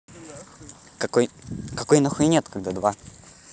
какой нахуй нет когда два